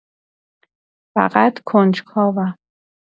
فقط کنجکاوم.